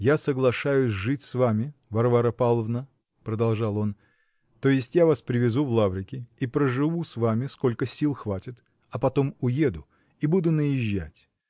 -- Я соглашаюсь жить с вами, Варвара Павловна, -- продолжал он, -- то есть я вас привезу в Лаврики и проживу с вами, сколько сил хватит, а потом уеду -- и буду наезжать.